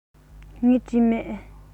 ངས བྲིས མེད